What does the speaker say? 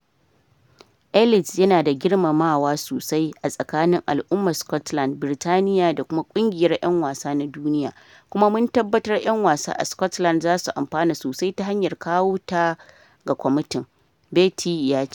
"Eilidh yana da girmamawa sosai a tsakanin al'ummar Scotland, Birtaniya da kuma kungiyar 'yan wasa na duniya, kuma mun tabbata yan wasa a Scotland za su amfana sosai ta hanyar kawo ta ga kwamitin," Beattie ya ce.